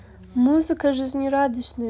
музыка жизнерадостную